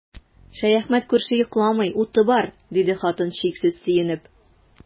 Шәяхмәт күрше йокламый, уты бар, диде хатын, чиксез сөенеп.